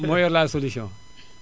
moo yor la solution